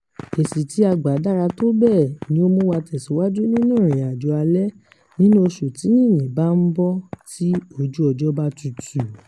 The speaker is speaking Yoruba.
Èsì tí a gbà dára tó bẹ́ẹ̀ ni ó mú wa tẹ̀síwájú nínú ìrìnàjò alẹ́ nínú oṣù tí yìnyín bá ń bọ́ tí ojú ọjọ́ bá tútù.